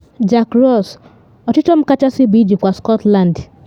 Jack Ross: ‘Ọchịchọ m kachasị bụ ijikwa Scotland’